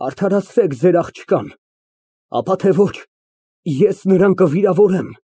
Արդարացրեք ձեր աղջկան, ապա թե ոչ՝ ես նրան կվիրավորեմ։